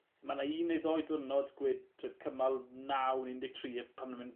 ma' 'na un neu ddou diwrnod gwed t'od cymal naw ne' un deg tri pan nw'n myn'